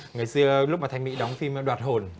ngày xưa lúc mà thanh mỹ đóng phim đoạt hồn